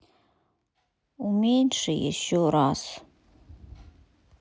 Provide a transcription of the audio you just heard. уменьши еще раз